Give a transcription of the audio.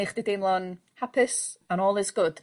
neud chdi deimlo'n hapus and all is good.